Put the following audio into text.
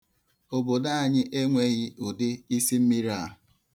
Obodo anyị enweghị ụdị isimmiri a.